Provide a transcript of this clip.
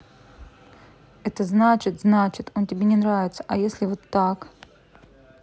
это значит значит он тебе не нравится а если вот так